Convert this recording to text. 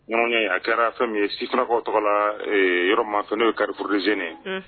Ɲkɛ a kɛra fɛn min ye sikkaw tɔgɔ la yɔrɔ ma fɛ'o ye karifuruze